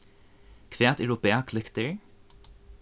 hvat eru baklyktir